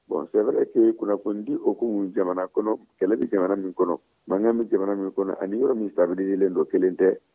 bon c'est vrai que kunnafonidi hukumu jamana kɔnɔ kɛlɛ bɛ jamana min kɔnɔ mankan bɛ jamana min kɔnɔ ani yɔrɔ min stabilisilen don kelen tɛ